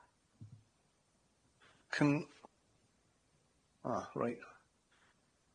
Cyng- o reit.